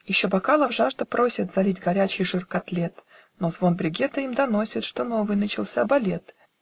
Еще бокалов жажда просит Залить горячий жир котлет, Но звон брегета им доносит, Что новый начался балет.